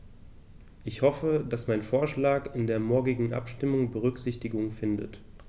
Ich hoffe, dass mein Vorschlag in der morgigen Abstimmung Berücksichtigung findet.